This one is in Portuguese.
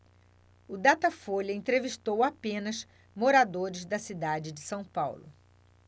o datafolha entrevistou apenas moradores da cidade de são paulo